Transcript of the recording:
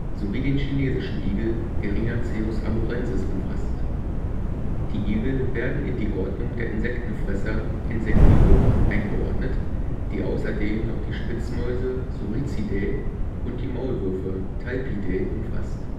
sowie den Chinesischen Igel (Erinaceus amurensis) umfasst. Die Igel werden in die Ordnung der Insektenfresser (Insectivora) eingeordnet, die außerdem noch die Spitzmäuse (Soricidae) und die Maulwürfe (Talpidae) umfasst